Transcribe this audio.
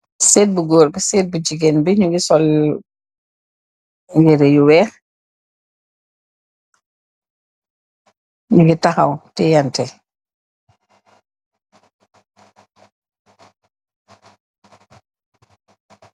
Séét bu gór bi, séét bu gigeen bi ñgu ngi sol yirèh bu wèèx, ñgu ngi taxaw teyénteh.